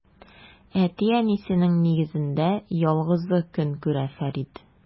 Әти-әнисенең нигезендә ялгызы көн күрә Фәрид.